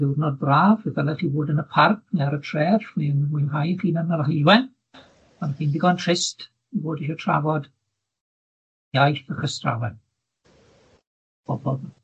ddiwrnod braf, y ddylech chi fod yn y parc ne' ar y tr'eth, dwi'n mwynhau yn yr hulwen, ond fi'n ddigon trist i fod isio trafod iaith a chystrawen bobol